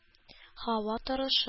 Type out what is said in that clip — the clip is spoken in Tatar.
Һава торышы